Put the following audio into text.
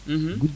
`